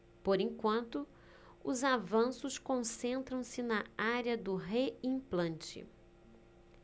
por enquanto os avanços concentram-se na área do reimplante